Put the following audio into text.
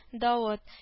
Давыт